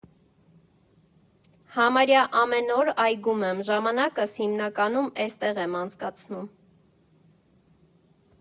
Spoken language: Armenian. Համարյա ամեն օր այգում եմ, ժամանակս հիմնականում էստեղ եմ անցկացնում։